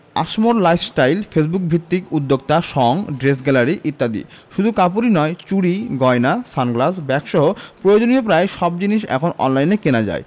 আসমোর lifestyle ফেসবুকভিত্তিক উদ্যোক্তা সঙ ড্রেস গ্যালারি ইত্যাদি শুধু কাপড়ই নয় চুড়ি গয়না সানগ্লাস ব্যাগসহ প্রয়োজনীয় প্রায় সব জিনিস এখন অনলাইনে কেনা যায়